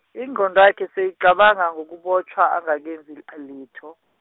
ingqondwakhe seyicabanga ngokubotjhwa, angakenzi a- litho.